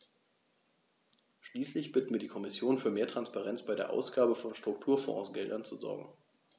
Schließlich bitten wir die Kommission, für mehr Transparenz bei der Ausgabe von Strukturfondsgeldern zu sorgen.